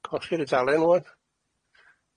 Colli'r dudalen ŵan.